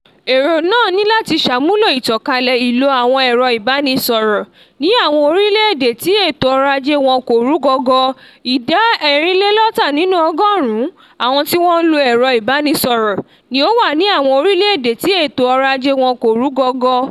Èrò náà ni láti sàmúlò ìtànkálẹ̀ ìlò àwọn ẹ̀rọ ìbánisọ̀rọ̀ ní àwọn orílẹ́ èdè tí ètò ọ̀rọ̀ ajé wọn kò rú gọ́gọ́ - idá 64 nínú ọgọ́rùn-ún àwọn tí wọ́n ń lo ẹ̀rọ ìbánisọ̀rọ̀ ni ó wà ní àwọn orílẹ́ èdè tí ètò ọrọ̀ ajé wọn kò rú gọ́gọ́.